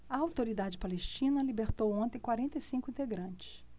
a autoridade palestina libertou ontem quarenta e cinco integrantes